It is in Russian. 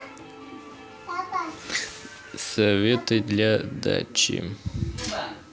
советы для дачи